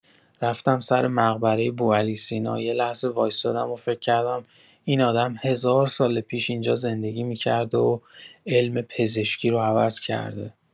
رفتم سر مقبره بوعلی‌سینا، یه لحظه وایسادم و فکر کردم این آدم هزار سال پیش اینجا زندگی می‌کرده و علم پزشکی رو عوض کرده.